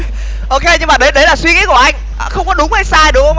ô khây nhưng mà đấy đấy là suy nghĩ của anh không có đúng hay sai đúng